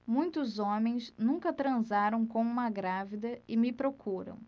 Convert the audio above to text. muitos homens nunca transaram com uma grávida e me procuram